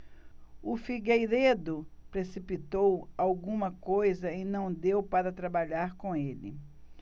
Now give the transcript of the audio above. o figueiredo precipitou alguma coisa e não deu para trabalhar com ele